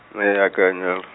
ee, a ka nyala.